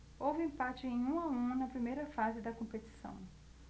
houve empate em um a um na primeira fase da competição